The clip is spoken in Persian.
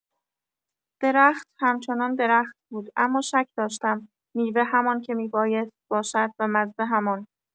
درخت، همچنان درخت بود، اما شک داشتم میوه همان که می‌بایست باشد و مزه همان!